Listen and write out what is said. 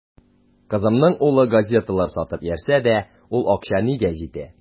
Кызымның улы газеталар сатып йөрсә дә, ул акча нигә җитә.